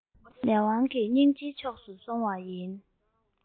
ལས དབང གི རྙིའི ཕྱོགས སུ སོང བ ཡིན